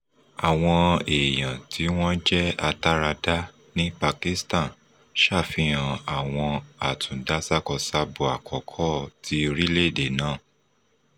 Àwọn èèyàn tó wọ́n jẹ́ atáradá ní Pakistan ṣàfihàn àwọn Àtúndásákosábo àkọ́kọ́ tí orílẹ̀-èdè náà